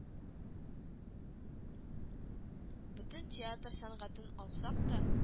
Бөтен театр сәнгатен алсак та